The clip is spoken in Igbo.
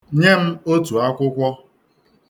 Nye m otu akwụkwọ.